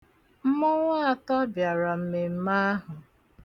Mmọnwụ atọ bịara mmemme ahụ.